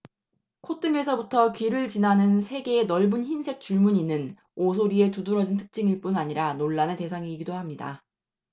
콧등에서부터 귀를 지나는 세 개의 넓은 흰색 줄무늬는 오소리의 두드러진 특징일 뿐 아니라 논란의 대상이기도 합니다